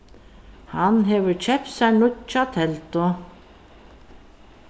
hann hevur keypt sær nýggja teldu